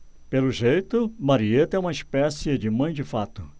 pelo jeito marieta é uma espécie de mãe de fato